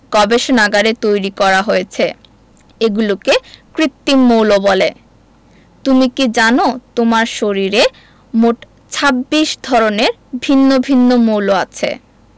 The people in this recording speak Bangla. গবেষণাগারে তৈরি করা হয়েছে এগুলোকে কৃত্রিম মৌল বলে তুমি কি জানো তোমার শরীরে মোট 26 ধরনের ভিন্ন ভিন্ন মৌল আছে